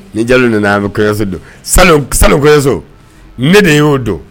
Ni Jalo na na an bɛ kɔɲɔnso don salon salon kɔnɔnso ne de y'o don.